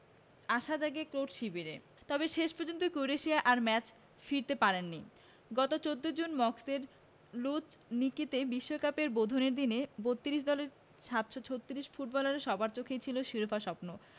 আশা জাগে ক্রোট শিবিরে তবে শেষ পর্যন্ত ক্রোয়েশিয়া আর ম্যাচে ফিরতে পারেনি গত ১৪ জুন মস্কোর লুঝনিকিতে বিশ্বকাপের বোধনের দিনে ৩২ দলের ৭৩৬ ফুটবলারের সবার চোখেই ছিল শিরোপা স্বপ্ন